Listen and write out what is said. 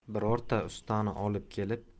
birorta ustani olib kelib